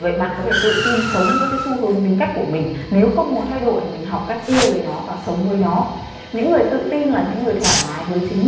bởi vậy bạn có thể tự tin sống với cái xu hướng tính cách của mình nếu không muốn thay đổi thì mình học cách yêu lấy nó và sống với nó những người tự tin là những người thoải mái với chính mình